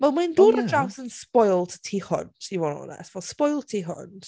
Fel mae hi'n dod ar draws... o ie ...yn spoilt tu hwnt, i fod yn onest. Fel spoilt tu hwnt.